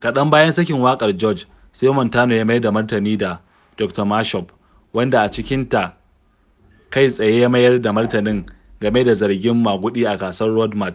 Jim kaɗan bayan sakin waƙar George, sai Montano ya mayar da martani da "Dr. Mashup", wadda a cikinta kai tsaye ya mayar da martani game da zargin maguɗi a gasar Road March